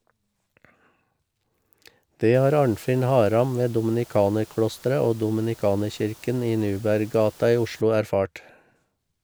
Det har Arnfinn Haram ved dominikanerklosteret og dominikanerkirken i Neuberggata i Oslo erfart.